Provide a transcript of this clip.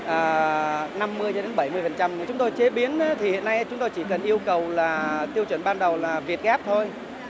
à năm mươi đến bảy mươi phần trăm chúng tôi chế biến á thì hiện nay chúng tôi chỉ cần yêu cầu là tiêu chuẩn ban đầu là việt gáp thôi